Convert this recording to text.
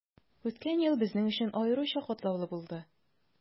Үткән ел безнең өчен аеруча катлаулы булды.